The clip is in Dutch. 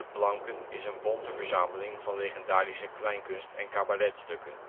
Planken is een bonte verzameling van legendarische kleinkunst - en cabaretstukken